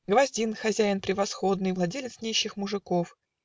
Гвоздин, хозяин превосходный, Владелец нищих мужиков